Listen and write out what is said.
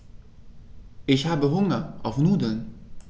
Ich habe Hunger auf Nudeln.